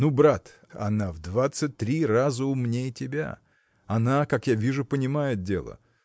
ну, брат, она в двадцать три раза умнее тебя. Она, как я вижу, понимает дело